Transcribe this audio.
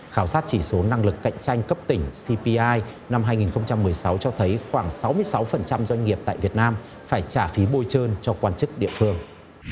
khảo sát chỉ số năng lực cạnh tranh cấp tỉnh xi pi ai năm hai nghìn không trăm mười sáu cho thấy khoảng sáu mươi sáu phần trăm doanh nghiệp tại việt nam phải trả phí bôi trơn cho quan chức địa phương